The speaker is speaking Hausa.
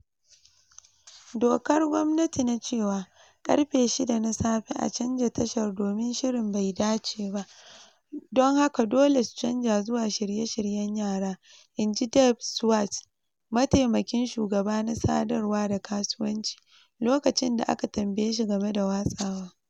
"Dokar gwamnati na cewa karfe 6 na safe a canza tashar domin shirin bai dace ba don haka dole su canza zuwa shirye shiryen yara," in ji Dave Schwartz, matamakin shugaba na sadarwa da kasuwanci, lokacin da aka tambaye shi game da watsawa.